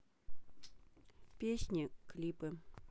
песни клипы